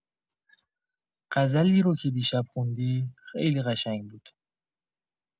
غزلی رو که دیشب خوندی، خیلی قشنگ بود.